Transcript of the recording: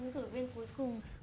ứng cử viên cuối cùng